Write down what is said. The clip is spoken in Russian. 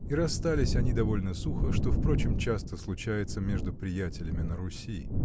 И расстались они довольно сухо, что, впрочем, часто случается между приятелями на Руси.